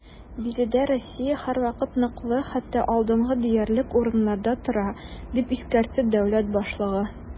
Биредә Россия һәрвакыт ныклы, хәтта алдынгы диярлек урыннарда тора, - дип искәртте дәүләт башлыгы.